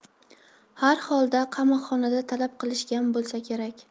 harholda qamoqxonada talab qilishgan bo'lsa kerak